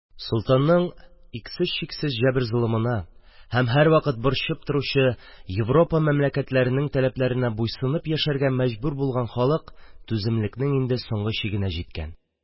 Солтанның иксез-чиксез җәбер-золымына һәм һәрвакыт борчып торучы Европа мәмләкәтләренең тәләпләренә буйсынып яшәргә мәҗбүр булган халык түземлекнең инде соңгы чигенә җиткән